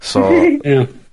So. Ia.